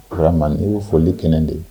nin ye foli kɛnɛ de ye